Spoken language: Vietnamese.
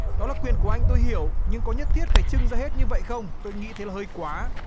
đó là quyền của anh tôi hiểu nhưng có nhất thiết phải trưng ra hết như vậy không tôi nghĩ thế là hơi quá